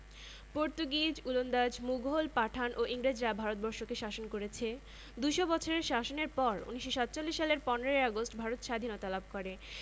তবে জনগণের জীবনযাত্রার মান অর্থনৈতিক অবস্থা ভৌগলিক ও জলবায়ুগত বৈশিষ্ট্য এবং ইতিহাস ও সংস্কৃতির দিক থেকে এশিয়ার দেশগুলোর মধ্যে অনেক মিল রয়েছে